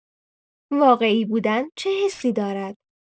واقعی‌بودن چه حسی دارد؟